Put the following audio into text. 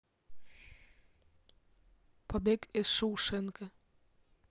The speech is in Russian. побег из шоушенка